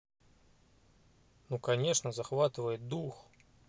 ну конечно захватывает дух